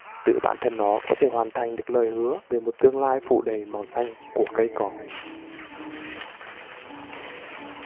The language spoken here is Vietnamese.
tự bản thân nó có thể hoàn thành được lời hứa về một tương lai phủ đầy màu xanh của cỏ cây